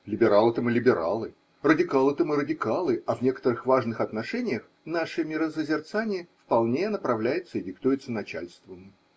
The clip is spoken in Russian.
Либералы-то мы либералы, радикалы-то мы радикалы, а в некоторых важных отношениях наше миросозерцание вполне направляется и диктуется начальством.